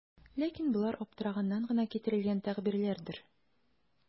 Ләкин болар аптыраганнан гына китерелгән тәгъбирләрдер.